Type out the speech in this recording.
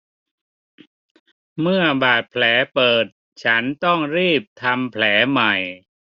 เมื่อบาดแผลเปิดฉันต้องรีบทำแผลใหม่